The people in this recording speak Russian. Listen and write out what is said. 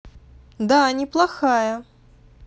да неплохая